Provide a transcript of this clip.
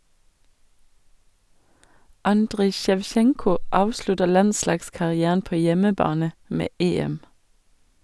Andrij Sjevtsjenko avslutter landslagskarrieren på hjemmebane - med EM.